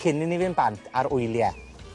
cyn i ni fynd bant ar wylie.